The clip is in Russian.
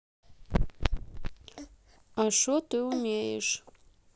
а шо ты умеешь